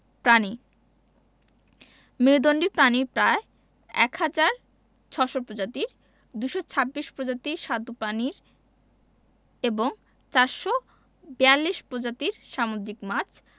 প্রাণী মেরুদন্ডী প্রাণী প্রায় ১হাজার ৬০০ প্রজাতির ২২৬ প্রজাতির স্বাদু পানির এবং ৪৪২ প্রজাতির সামুদ্রিক মাছ